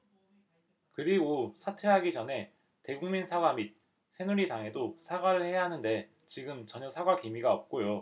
그리고 사퇴하기 전에 대국민 사과 밑 새누리당에도 사과를 해야 하는데 지금 전혀 사과 기미가 없고요